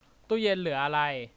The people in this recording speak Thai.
ตู้เย็นเหลืออะไร